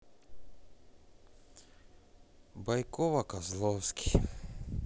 бойкова козловский